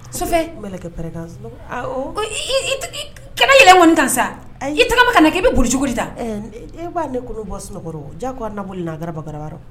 mɛlɛkɛpɛrɛkan, aawɔ, ii, kana yɛlɛ n kɔnni kan saI tagama ka na kɛ , kana boli ka da n kan. E baa ne wilibɔ sugunɔgɔla o, diyagoya na boli na gararaba garaba